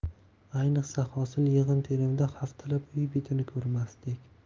ayniqsa hosil yig'im terimida haftalab uy betini ko'rmasdik